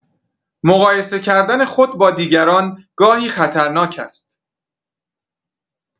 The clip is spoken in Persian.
مقایسه کردن خود با دیگران گاهی خطرناک است.